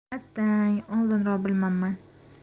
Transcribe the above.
attang oldinroq bilmabman